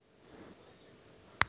песня акуленок полная